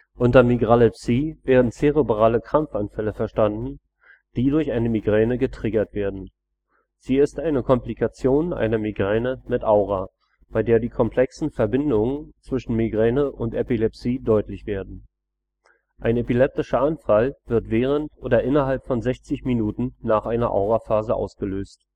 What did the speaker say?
Unter Migralepsie werden zerebrale Krampfanfälle verstanden, die durch eine Migräne getriggert werden. Sie ist eine Komplikation einer Migräne mit Aura, bei der die komplexen Verbindungen zwischen Migräne und Epilepsie deutlich werden. Ein epileptischer Anfall wird während oder innerhalb von 60 Minuten nach einer Auraphase ausgelöst